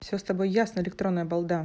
все с тобой ясно электронная балда